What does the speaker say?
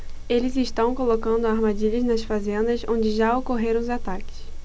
eles estão colocando armadilhas nas fazendas onde já ocorreram os ataques